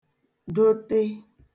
dote